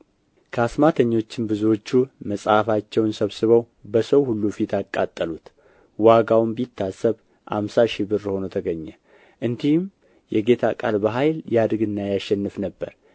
ከአስማተኞችም ብዙዎቹ መጽሐፋቸውን ሰብስበው በሰው ሁሉ ፊት አቃጠሉት ዋጋውም ቢታሰብ አምሳ ሺህ ብር ሆኖ ተገኘ እንዲህም የጌታ ቃል በኃይል ያድግና ያሸንፍ ነበር